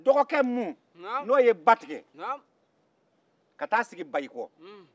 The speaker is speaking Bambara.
dɔgɔkɛ min n'o ye ba tigɛ ka taa a sigi bayikɔ